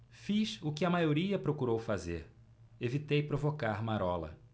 fiz o que a maioria procurou fazer evitei provocar marola